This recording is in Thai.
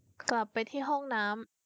กลับไปที่ห้องน้ำ